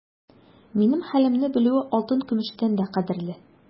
Минем хәлемне белүе алтын-көмештән дә кадерле.